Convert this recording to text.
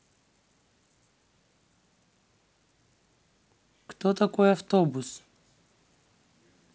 кто такой автобус